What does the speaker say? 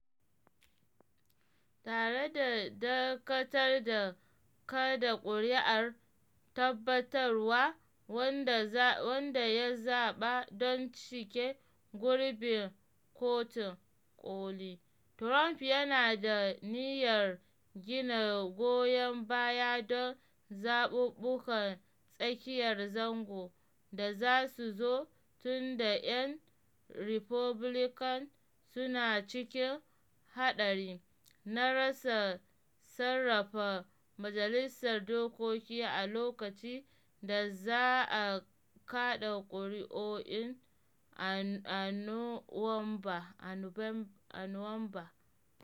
Tare da dakatar da kada kuri’ar tabbatarwa wanda ya zaba don cike gurbin Kotun Koli, Trump yana da niyyar gina goyon baya don zabubbukan tsakiyar zango da za su zo tun da ‘yan Republican suna cikin hadari na rasa sarrafa Majalisar Dokoki a lokaci da za a kada kuri’un a Nuwamba.